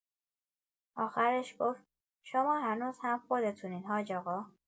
آخرش گفت: شما هنوز هم خودتونین حاج‌آقا.